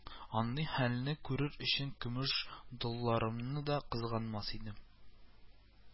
Андый хәлне күрер өчен көмеш долларымны да кызганмас идем